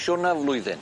Siwrna flwyddyn.